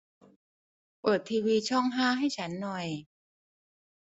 เปิดทีวีช่องห้าให้ฉันหน่อย